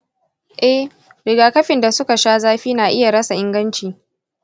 eh, rigakafin da suka sha zafi na iya rasa inganci.